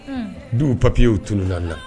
Un, duw papiers tununa an na.